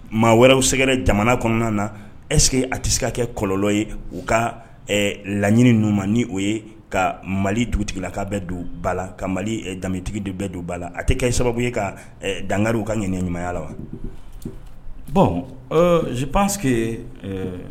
Maa wɛrɛw sɛgɛngɛrɛ jamana kɔnɔna na ɛsseke que a tɛ se ka kɛ kɔlɔnlɔ ye u ka laɲini numuuman ni o ye ka mali dugutigila ka bɛ don ba la ka mali danbetigi de bɛɛ don bala la a tɛ kɛ sababu ye ka dangariw ka ɲ ɲumanya wa bon z pa que